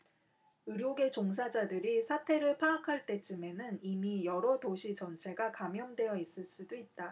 의료계 종사자들이 사태를 파악할 때쯤에는 이미 여러 도시 전체가 감염되어 있을 수도 있다